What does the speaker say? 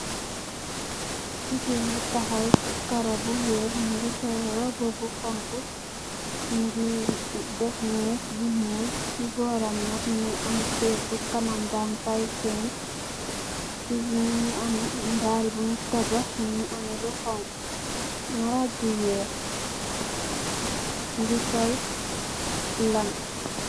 Gigain bu takhaw cii kaaroh bu wekh, mungy sol rohba bu honhu, mungy def meeche bu njull, cii bohram nak mungy am sehtu kanam bang fai fengh, mungy am ndaal bungh tabakh mungy ameh lu honhu, marajj bu wekh, mungy sol lahm.